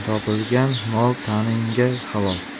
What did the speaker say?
topilgan mol taningga halol